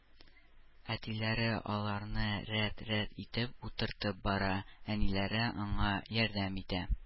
Әтиләре аларны рәт-рәт итеп утыртып бара, әниләре аңа ярдәм итә